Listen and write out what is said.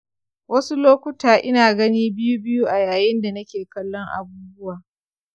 wasu lokutta ina gani biyu-biyu a yayin da nike kallon abubuwa.